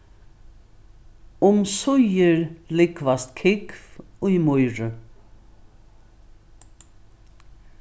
umsíðir lúgvast kúgv í mýri